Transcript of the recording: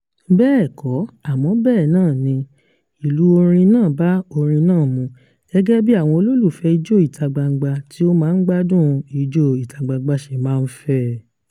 Bẹ́ẹ̀ kọ́, àmọ́ bẹ́ẹ̀ náà ni, ìlù orin náà ba orin náà mú gẹ́gẹ́ bí àwọn olólùfẹ́ẹ Ijó ìta-gbangba tí ó máa ń gbádùn un Ijó ìta-gbangba ṣe máa ń fẹ́ ẹ.